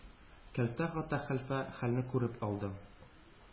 Кәлтә Гата хәлфә хәлне күреп алды.